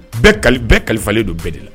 Bɛɛ kalifalen don bɛɛ de la